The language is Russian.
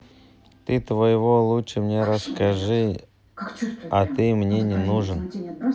не твоего лучше мне расскажите а ты мне не нужен